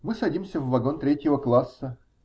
Мы садимся в вагон третьего класса.